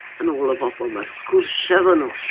Yn ôl y bobl mae'n sgwrsio efo nhw.